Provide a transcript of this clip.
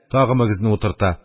Тагы мөгезне утырта,